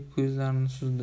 ko'zlarini suzdi